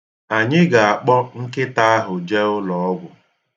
Anyị ga-akpọ nkịta ahụ jee ụlọọgwụ.